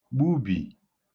gbubì